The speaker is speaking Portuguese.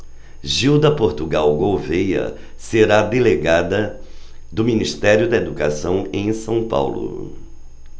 gilda portugal gouvêa será delegada do ministério da educação em são paulo